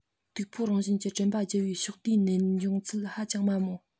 དུག ཕོག རང བཞིན གྱི དྲན པ བརྒྱལ བའི ཕྱོགས བསྡུས ནད བྱུང ཚད ཧ ཅང དམའ མོད